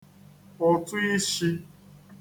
ụtụ īshī